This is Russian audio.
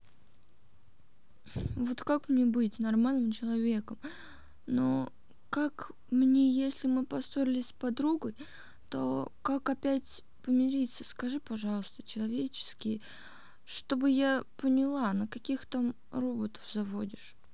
вот как мне быть нормальным человеком но как мне если мы поссорились с подругой то как опять помириться скажи пожалуйста человеческие чтобы я поняла на каких то там роботов заводишь